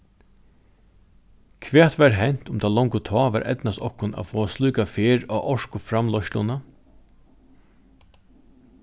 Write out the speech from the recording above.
hvat var hent um tað longu tá var eydnast okkum at fáa slíka ferð á orkuframleiðsluna